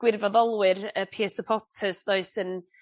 gwirfoddolwyr yy peer supprters 'does yn